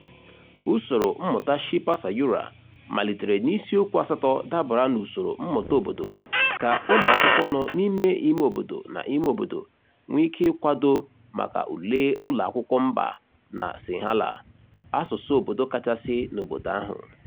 Usoro mmụta Shilpa Sayura malitere n'isiokwu asatọ dabara n'usoro mmụta obodo ka ụmụakwụkwọ nọ n'ime ime obodo na imeobodo nwee ike ịkwado maka ule ụlọakwụkwọ mba na Sinhala, asụsụ obodo kachasị n'obodo ahụ.